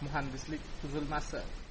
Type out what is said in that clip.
muhandislik tuzilmasi